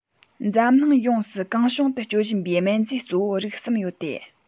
འཛམ གླིང ཡོངས སུ གང བྱུང དུ སྤྱོད བཞིན པའི སྨན རྫས གཙོ བོ རིགས གསུམ ཡོད དེ